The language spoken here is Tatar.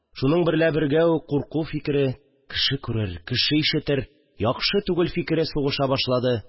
Шуның берлә бергә үк курку фикере, «кеше күрер, кеше ишетер, яхшы түгел» фикере сугыша башлады